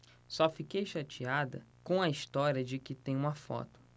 só fiquei chateada com a história de que tem uma foto